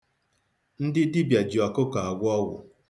Ndị dibịa ji ọkụkọ agwọ ọgwụ.